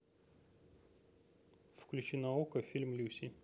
включи на окко фильм люси